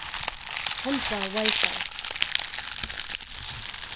tendra wifi